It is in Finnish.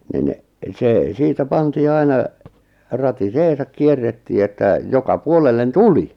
niin se siitä pantiin aina ratiseensa kierrettiin että joka puolelle tuli